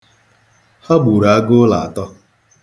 Ha gburu agụụlọ atọ.